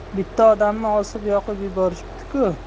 bitta odamni osib yoqib yuborishibdi ku